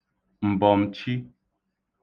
m̀bọ̀m̀chi